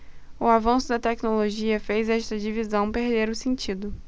o avanço da tecnologia fez esta divisão perder o sentido